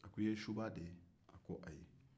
a ko i ye subaga de ye wa